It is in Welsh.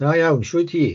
Da iawn sh'wyt ti?